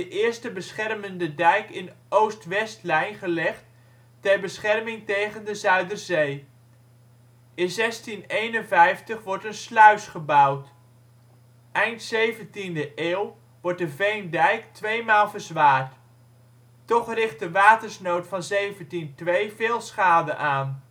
eerste beschermende dijk in oost-west-lijn gelegd ter bescherming tegen de Zuiderzee. In 1651 wordt een sluis gebouwd. Eind 17de eeuw wordt de Veendijk tweemaal verzwaard. Toch richt de watersnood van 1702 veel schade aan